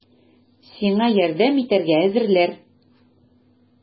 Сиңа ярдәм итәргә әзерләр!